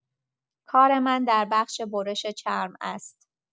کار من در بخش برش چرم است.